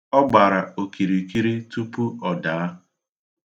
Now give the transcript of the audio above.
Ọ gbara okirikiri tupu ọ daa